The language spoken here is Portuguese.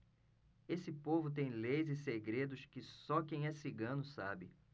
esse povo tem leis e segredos que só quem é cigano sabe